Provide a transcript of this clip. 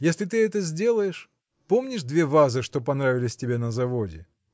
если ты это сделаешь – помнишь две вазы что понравились тебе на заводе?